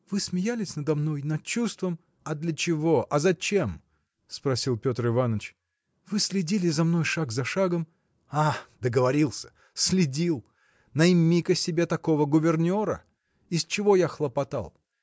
– Вы смеялись надо мной, над чувством. – А для чего, а зачем? – спросил Петр Иваныч. – Вы следили за мной шаг за шагом. – А! договорился! следил! Найми-ка себе такого гувернера! Из чего я хлопотал?